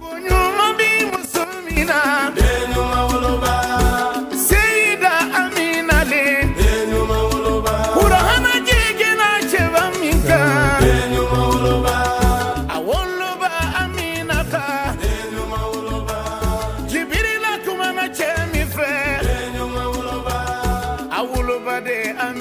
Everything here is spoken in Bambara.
Ɲuman min min naba seginda minba j cɛ minba woloba minba jigila tuma ma cɛ min fɛ aba deminaba